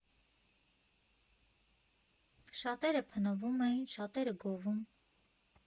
Շատերը փնովում էին, շատերը գովում։